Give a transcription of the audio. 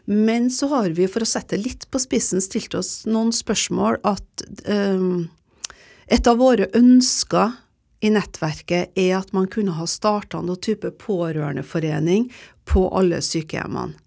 men så har vi for å sette det litt på spissen stilt oss noen spørsmål at et av våre ønsker i nettverket er at man kunne ha starta noen type pårørendeforening på alle sykehjemmene.